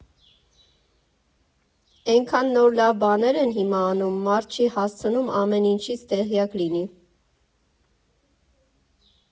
Էնքա՜ն նոր լավ բաներ են հիմա անում, մարդ չի հասցնում ամեն ինչից տեղյակ լինի։